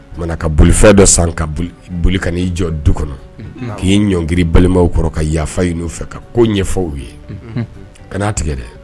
Kumana ka bolifɛn dɔ san ka bol i boli ka n'i jɔ du kɔnɔ k'i ɲɔngiri' balimaw kɔrɔ ka yafa ɲini fɛ ka ko ɲɛfɔ u ye kan'a tigɛ dɛ